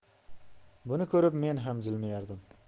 buni ko'rib men ham jilmayardim